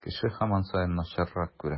Кеше һаман саен начаррак күрә.